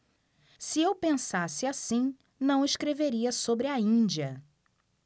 se eu pensasse assim não escreveria sobre a índia